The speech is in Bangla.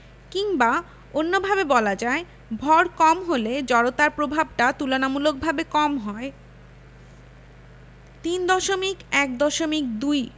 কিংবা অন্যভাবে বলা যায় ভর কম হলে জড়তার প্রভাবটা তুলনামূলকভাবে কম হয় ৩.১.২